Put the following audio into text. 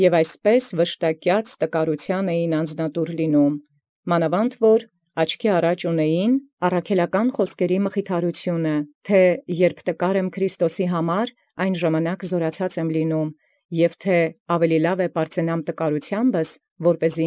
Եւ այնպէս վշտակեաց տկարութեան զանձինս տային, մանաւանդ որոց հայեցեալ ի մխիթարութիւն առաքելական բանիցն, թէ՝ «Յորժամ տկար եմ վասն Քրիստոսի, յայնժամ զաւրացեալ լինիմե, և թէ՝ «Լաւ ևս լիցի պարծել տկարութեամբս, զի բնակեսցէ։